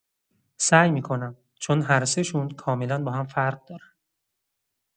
سعی می‌کنم، چون هر سه‌شون کاملا با هم فرق دارن.